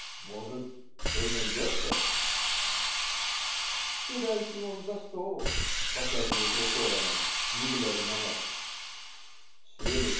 -"Может, что и найдется?" - "Седайте вон за стол",- показывает рукой она, не глядя на нас. Сели.